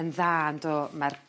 yn dda yndo ma'r